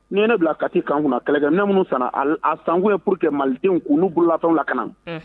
Ni ye ne bila kati kan kunna kɛlɛkɛ ne minnu fana a sankun ye pur que malidenw u'u bololatɔw la ka na